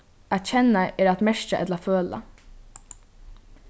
at kenna er at merkja ella føla